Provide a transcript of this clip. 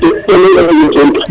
kene bug umo ley ten